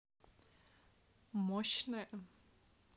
мощная